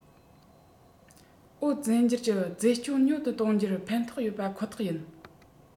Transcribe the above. འོད རྫས འགྱུར གྱི བརྫད སྐྱོན ཉུང དུ གཏོང རྒྱུར ཕན ཐོགས ཡོད པ ཁོ ཐག ཡིན